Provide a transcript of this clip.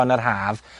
yn yr Haf,